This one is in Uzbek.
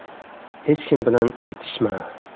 hech kim bilan aytishma